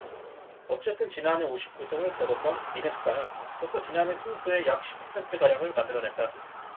어쨌든 지난해 오십 구 승를 거뒀던 미네소타는 벌써 지난해 승수의 약 십 퍼센트가량을 만들어냈다